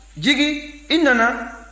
jigi i nana